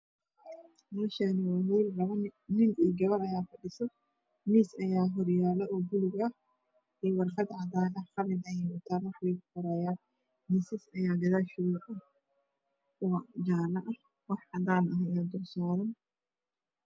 Meeshani waa meel laami nin iyo gabar aya fadhiyo miis aya horyalo oo baluug ah iyo warqad cadan ah qalin ayey watan waxbay ku qorayan misas aya gadashod ubax jalo ah wax cadan aya dul saran